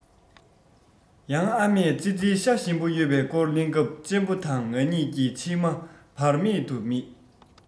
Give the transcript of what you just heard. ཡང ཨ མས ཙི ཙིའི ཤ ཞིམ པོ ཡོད པའི སྐོར གླེང སྐབས གཅེན པོ དང ང གཉིས ཀྱིས མཆིལ མ བར མེད དུ མིད